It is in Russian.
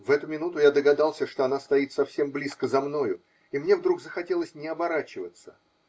В эту минуту я догадался, что она стоит совсем близко за мною, и мне вдруг захотелось не оборачиваться.